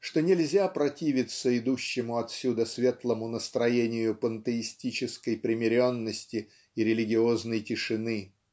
что нельзя противиться идущему отсюда светлому настроению пантеистической примиренности и религиозной тишины.